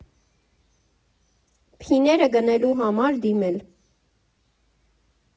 Փիները գնելու համար դիմել՝